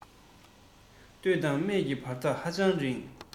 སྟོད དང སྨད ཀྱི བར ཐག ཧ ཅང རིང